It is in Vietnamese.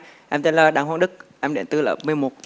em tên là đặng hoàng đức em đến từ lớp mười một